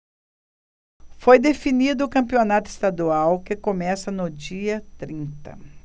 foi definido o campeonato estadual que começa no dia trinta